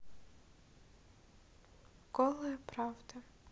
голая правда